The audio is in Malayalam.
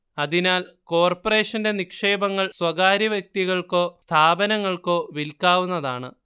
അതിനാൽ കോർപ്പറേഷന്റെ നിക്ഷേപങ്ങൾ സ്വകാര്യവ്യക്തികൾക്കോ സ്ഥാപനങ്ങൾക്കോ വിൽക്കാവുന്നതാണ്